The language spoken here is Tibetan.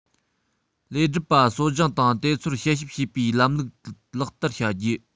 ལས སྒྲུབ པ གསོ སྦྱོང དང དེ ཚོར དཔྱད ཞིབ བྱེད པའི ལམ ལུགས ལག བསྟར བྱ རྒྱུ